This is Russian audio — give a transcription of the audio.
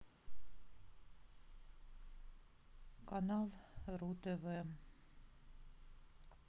канал ру тв